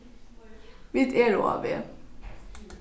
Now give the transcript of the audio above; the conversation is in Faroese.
vit eru á veg